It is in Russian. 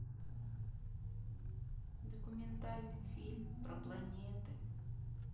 документальный фильм про планеты